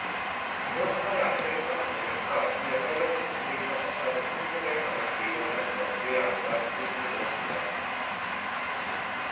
결혼 생활이 악화되기 시작하더니 그가 마침내 사이버섹스 상대 중 한 사람을 현실 세계에서 만날 계획을 하면서 그의 아내가 눈치를 채게 되었습니다